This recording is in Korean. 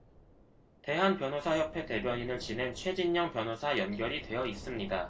대한변호사협회 대변인을 지낸 최진녕 변호사 연결이 되어 있습니다